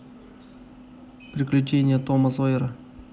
приключения тома сойера